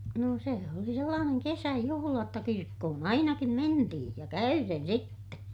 no se oli sellainen kesäjuhla jotta kirkkoon ainakin mentiin ja käyden sitten